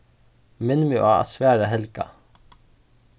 minn meg á at svara helga